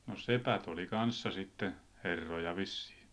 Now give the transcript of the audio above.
no sepät oli kanssa sitten herroja vissiin